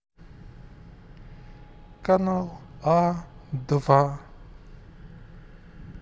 канал а два